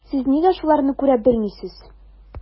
Сез нигә шуларны күрә белмисез?